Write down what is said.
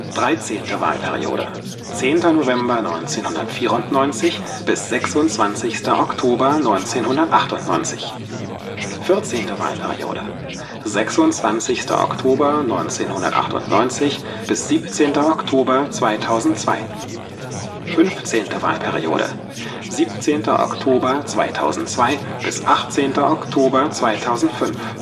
13. Wahlperiode: 10. November 1994 – 26. Oktober 1998 14. Wahlperiode: 26. Oktober 1998 – 17. Oktober 2002 15. Wahlperiode: 17. Oktober 2002 – 18. Oktober 2005